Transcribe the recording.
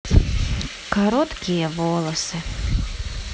короткие волосы